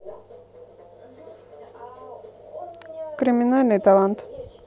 криминальный талант